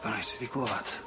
Ma' rai' ti 'di glŵad